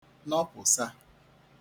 nọpụ̀sa